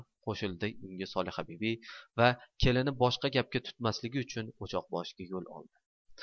qo'shildi unga solihabibi va kelini boshqa gapga tutmasligi uchun o'choqboshiga yo'l oldi